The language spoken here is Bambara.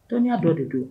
Tɔnyaa dɔ de don